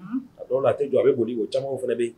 A dɔw la a tɛ jɔ a bɛ boli o caman fana bɛ yen